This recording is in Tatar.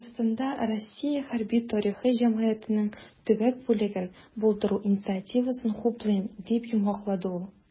"татарстанда "россия хәрби-тарихи җәмгыяте"нең төбәк бүлеген булдыру инициативасын хуплыйм", - дип йомгаклады ул.